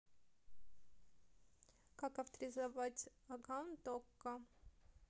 как авторизовать аккаунт окко